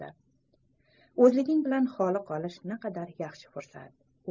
hzliging bilan xoli qolish naqadar yaxshi fursat